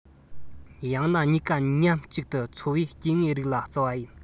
ཡང ན གཉིས ཀ མཉམ གཅིག ཏུ འཚོ བས སྐྱེ དངོས རིགས གཉིས ལ བརྩི བ ཡིན